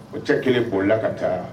O cɛ kelen'o la ka taa